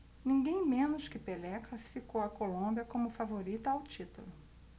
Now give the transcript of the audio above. ninguém menos que pelé classificou a colômbia como favorita ao título